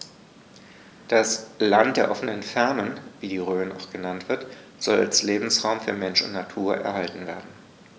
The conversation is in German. Das „Land der offenen Fernen“, wie die Rhön auch genannt wird, soll als Lebensraum für Mensch und Natur erhalten werden.